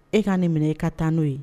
E ka nin minɛ e ka taa n'o ye